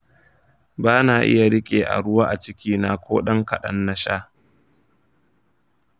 bana iya rike a ruwa a ciki na ko dan kadan nasha.